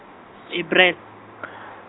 April .